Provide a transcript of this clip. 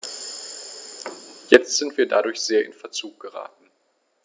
Jetzt sind wir dadurch sehr in Verzug geraten.